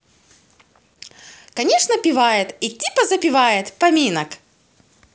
конечно пивает и типа запевает поминок